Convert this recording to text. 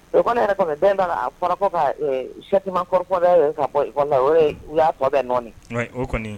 O kɔɲɔ yɛrɛ bɛn fara ka sɛtima kɔrɔfɔ u y'a fɔ bɛɛ nɔɔni